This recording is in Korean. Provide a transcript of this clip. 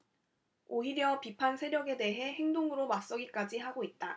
오히려 비판세력에 대해 행동으로 맞서기까지 하고 있다